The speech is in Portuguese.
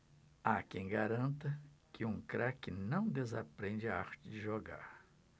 há quem garanta que um craque não desaprende a arte de jogar